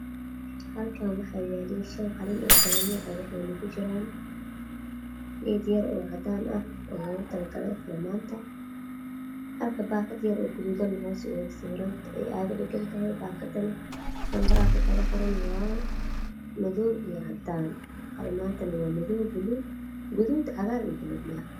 Halkan waxa yaal shan qalin oo Kala nooca waxayna ku jiraan Beed yar oo cadaana oo loogu talagalay qalimaanta bahalyar oo guduudan hoos ooga sawiran lanbara ku qoran waa madaw iyo cadaan qalimaantuna waa madaw huruud cadaan